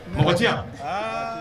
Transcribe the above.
Mɔgɔti yan